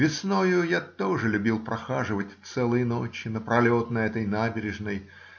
Весною я тоже любил прохаживать целые ночи напролет на этой набережной.